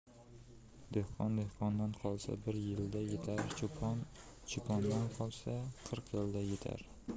dehqon dehqondan qolsa bir yilda yetar cho'pon cho'pondan qolsa qirq yilda yetar